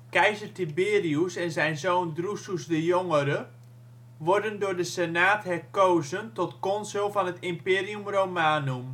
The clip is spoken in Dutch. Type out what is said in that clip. Keizer Tiberius en zijn zoon Drusus de Jongere, worden door de Senaat herkozen tot consul van het Imperium Romanum